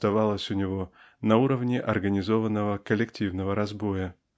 оставалось у него на уровне организованного коллективного разбоя.